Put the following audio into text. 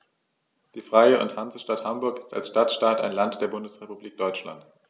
Die Freie und Hansestadt Hamburg ist als Stadtstaat ein Land der Bundesrepublik Deutschland.